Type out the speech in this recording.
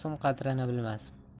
so'm qadrini bilmas